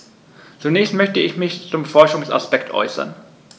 Zunächst möchte ich mich zum Forschungsaspekt äußern.